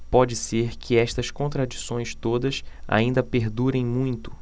pode ser que estas contradições todas ainda perdurem muito